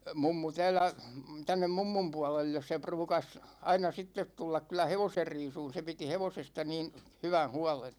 mummu täällä tänne mummun puolelle se ruukasi aina sitten tulla kyllä hevosen riisumaan se piti hevosesta niin hyvän huolen